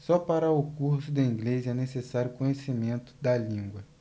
só para o curso de inglês é necessário conhecimento da língua